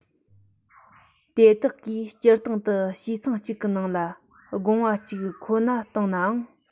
དེ དག གིས སྤྱིར བཏང དུ བྱེའུ ཚང གཅིག གི ནང ལ སྒོ ང གཅིག ཁོ ན གཏོང ནའང